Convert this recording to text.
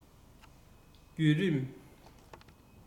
བརྒྱུད རིམ